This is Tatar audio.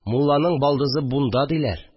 Мулланың балдызы бунда диләр